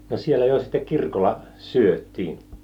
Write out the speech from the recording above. no siellä jo sitten kirkolla syötiin